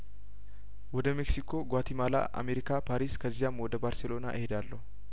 ወደ ሜክሲኮ ጓቲማላ አሜሪካ ፓሪስ ከዚያም ወደ ባርሴሎና እሄዳለሁ